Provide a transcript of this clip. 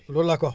loolu laa ko wax